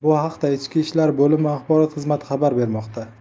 bu haqda ichki ishlar boimi axborot xizmati xabar bermoqda